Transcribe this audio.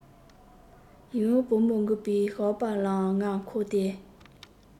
ཡིད འོང བུ མོ འགུགས པའི ཞགས པ ལའང ང མཁོ སྟེ